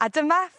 a dyma